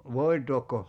voitaako